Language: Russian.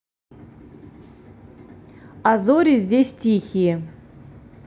а зори здесь тихие